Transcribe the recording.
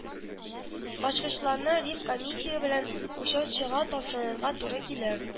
Ачкычларны ревкомиссия белән учетчыга тапшырырга туры килер